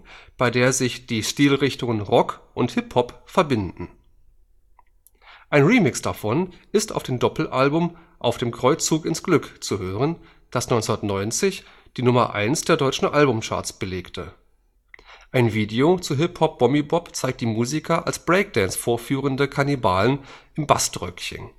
bei der sich die Stilrichtungen Rock und Hip-Hop verbinden. Ein Remix davon ist auf dem Doppelalbum Auf dem Kreuzzug ins Glück zu hören, das 1990 die Nummer Eins der deutschen Alben-Charts belegte. Ein Video zu Hip-Hop-Bommi-Bop zeigt die Musiker als Breakdance vorführende Kannibalen im Baströckchen